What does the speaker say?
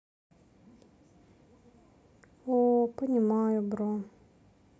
о понимаю бро